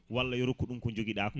walla yo rokku ɗum ko joguiɗa ko